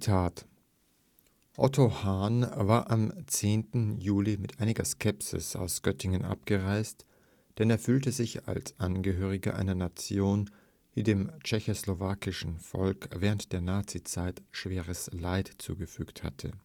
hatte. „ Otto Hahn war am 10. Juli mit einiger Skepsis aus Göttingen abgereist, denn er fühlte sich als Angehöriger einer Nation, die dem tschechoslowakischen Volk während der Nazizeit schweres Leid zugefügt hatte